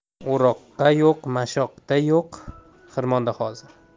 o'roqda yo'q mashoqda yo'q xirmonda hozir